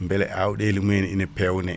beele awɗele mumen ene peewne